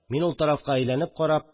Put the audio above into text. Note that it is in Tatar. Мин ул тарафка әйләнеп карап